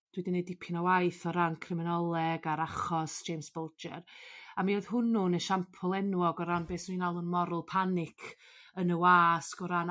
dwi 'di neud dipyn o waith o ran criminoleg a'r achos James Bulger a a mi oedd hwnnaw'n esiampl enwog o ran be' 'swn i'n alw'n moral panic yn y wasg o ran